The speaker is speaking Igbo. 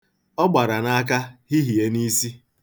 Ọ gbara n'aka, hihie n'isi.